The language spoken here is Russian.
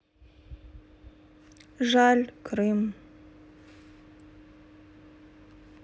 жаль крым